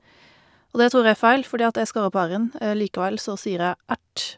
Og det tror jeg er feil, fordi at jeg skarrer på r-en, likevel så sier jeg ert.